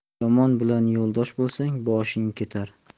yomon bilan yo'ldosh bo'lsang boshing ketar